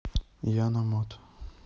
яна мот